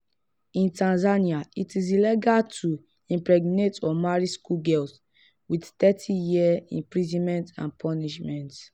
In Tanzania, it is illegal to impregnate or marry schoolgirls with 30-year imprisonment as punishment.